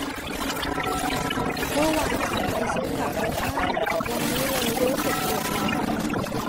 เมื่อวานฉันไปซื้อของเยอะมากวันนี้เลยรู้สึกปวดไหล่